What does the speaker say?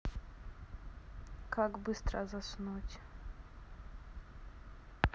как быстро заснуть